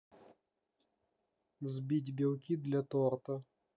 взбить белки для торта